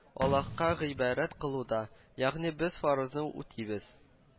– аллаһка гыйбадәт кылуда, ягъни без фарызны үтибез